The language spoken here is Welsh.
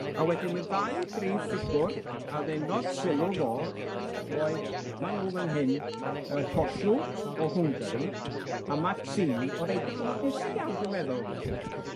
A wedyn y ddau brif ffigwr a ddenodd sylw fo oedd ma' nw fan hyn, yy Kossuth o Hwngari a Mazzini o'r Eidal, a ma'n bwysig iawn dwi'n meddwl,